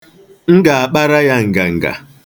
M ga-akpara ya nganga.